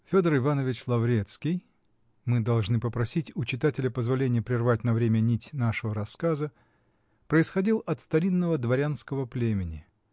Федор Иванович Лаврецкий (мы должны попросить у читателя позволение перервать на время нить нашего рассказа) происходил от старинного дворянского племени.